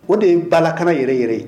O de ye balakana yɛrɛ yɛrɛ ye